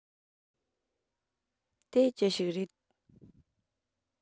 དེ ཅི ཞིག རེད